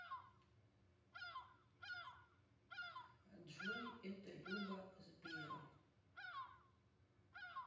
джой это люба сбера